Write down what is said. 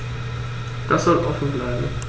Das soll offen bleiben.